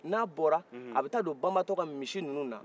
n'a bɔra a bɛ ta don banbatɔ ka misi nununan